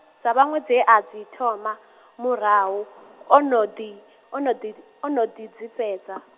dza vhaṅwe dze a dzi thoma, murahu, o no ḓi, o no ḓi d-, o no ḓi dzi fhedza.